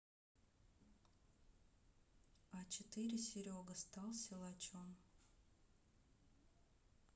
а четыре серега стал силачом